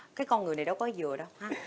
cái con người này đâu có dừa đâu ha